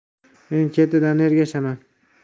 men ketidan ergashaman